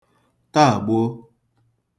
Tagbo